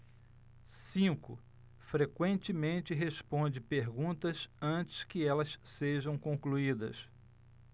cinco frequentemente responde perguntas antes que elas sejam concluídas